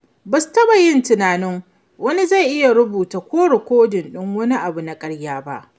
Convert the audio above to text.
Ba su taba yin tunanin wani zai iya rubuta ko rikodin ɗin wani abu na ƙarya ba.